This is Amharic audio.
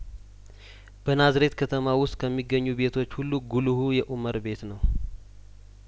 በናዝሬት ከተማ ውስጥ ከሚገኙ ቤቶች ሁሉ ጉልሁ የኡመር ቤት ነው